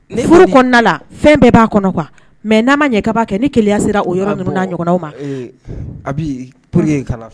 Kɔnɔna fɛn bɛɛ b'a kɔnɔ kuwa mɛ n'a ma ɲɛkaba kɛ ni keya sera o yɔrɔ ɲɔgɔn ma a bi p